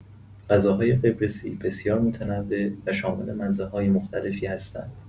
غذاهای قبرسی بسیار متنوع و شامل مزه‌های مختلفی هستند.